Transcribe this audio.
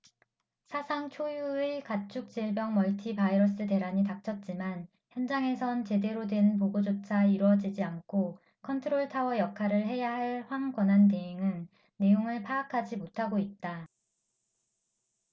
사상 초유의 가축 질병 멀티 바이러스 대란이 닥쳤지만 현장에선 제대로 된 보고조차 이뤄지지 않고 컨트롤타워 역할을 해야 할 황 권한대행은 내용을 파악하지 못하고 있다